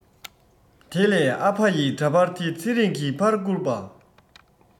དེ ལས ཨ ཕ ཡི འདྲ པར དེ ཚེ རིང གི ཕར བསྐུར པ